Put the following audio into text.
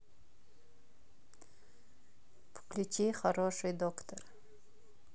включи хороший доктор